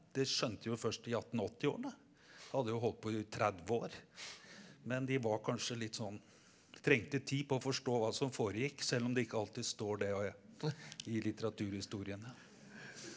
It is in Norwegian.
det skjønte jo først i attenåtti-årene hadde jo holdt på i 30 år men de var kanskje litt sånn trengte tid på å forstå hva som foregikk selv om det ikke alltid står det i litteraturhistoriene.